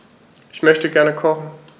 Ich möchte gerne kochen.